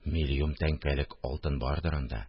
Милиюм тәңкәлек алтын бардыр анда